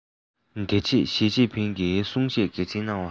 དེ རྗེས ཞིས ཅིན ཕིང གིས གསུང བཤད གལ ཆེན གནང བ རེད